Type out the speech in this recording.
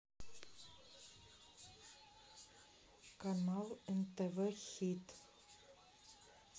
канал нтв хит